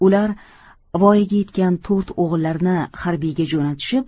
ular voyaga yetgan to'rt o'g'illarini harbiyga jo'natishib